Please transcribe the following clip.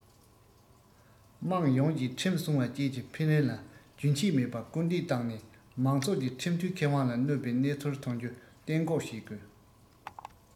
དམངས ཡོངས ཀྱིས ཁྲིམས སྲུང བ བཅས ཀྱི འཕེལ རིམ ལ རྒྱུན ཆད མེད པར སྐུལ འདེད བཏང ནས མང ཚོགས ཀྱི ཁྲིམས མཐུན ཁེ དབང ལ གནོད པའི གནས ཚུལ ཐོན རྒྱུ གཏན འགོག བྱེད དགོས